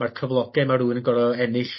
ma'r cyfloge' ma' rywun yn gor'o' ennill